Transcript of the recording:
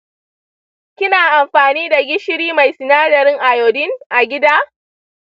kina anfani da gishiri mai sinadarin iodine, agida?